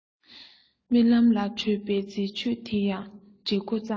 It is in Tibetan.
རྨི ལམ ལ བྲོད པའི མཛེས དཔྱོད དེ ཡང བྲི འགོ བརྩམས